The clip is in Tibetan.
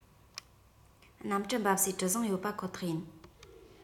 གནམ གྲུ འབབ སའི གྲུ གཟིངས ཡོད པ ཁོ ཐག ཡིན